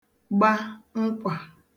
gba nkwà